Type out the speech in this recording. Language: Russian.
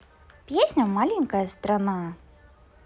песня маленькая страна